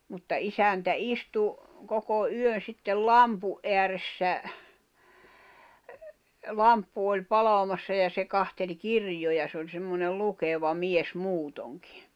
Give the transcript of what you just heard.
mutta isäntä istui koko yön sitten lampun ääressä lamppu oli palamassa ja se katseli kirjoja se oli semmoinen lukeva mies muutenkin